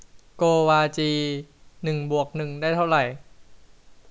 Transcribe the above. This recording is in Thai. โกวาจีหนึ่งบวกหนึ่งได้เท่าไร